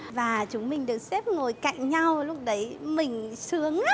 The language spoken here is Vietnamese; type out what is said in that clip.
và chúng mình được xếp ngồi cạnh nhau lúc đấy mình sướng lắm